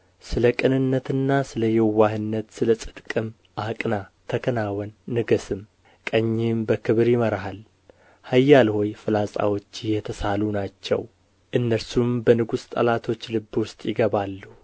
ስለ ቅንነትና ስለ የዋህነት ስለ ጽድቅም አቅና ተከናወን ንገሥም ቀኝህም በክብር ይመራሃል ኃያል ሆይ ፍላጻዎችህ የተሳሉ ናቸው እነርሱም በንጉሥ ጠላቶች ልብ ውስጥ ይገባሉ